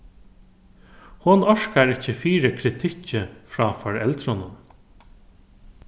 hon orkar ikki fyri kritikki frá foreldrunum